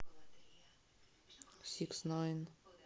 сикс найн